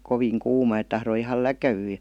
kovin kuuma että tahtoi ihan läkähtyä ja